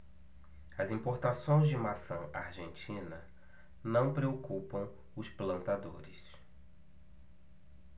as importações de maçã argentina não preocupam os plantadores